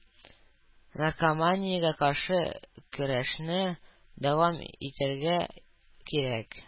“наркоманиягә каршы көрәшне дәвам итәргә кирәк”